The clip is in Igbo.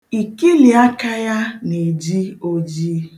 Ikiliaka ya na-eji oji.